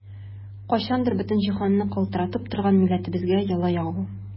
Кайчандыр бөтен җиһанны калтыратып торган милләтебезгә яла ягу!